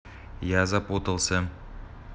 я запутался